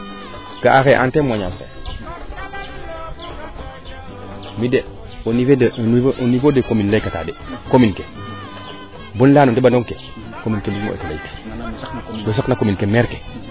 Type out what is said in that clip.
ga'a xaye en temoignage xaye mi de au nivau des commune im leyka taa de commune ke bom leya no neɓanong ke commune bugmo eeto leyit we saqna commune ke maire ke